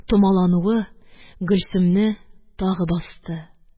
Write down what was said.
Томалануы гөлсемне тагы басты,